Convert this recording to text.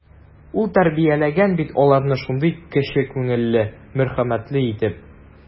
Ул тәрбияләгән бит аларны шундый кече күңелле, мәрхәмәтле итеп.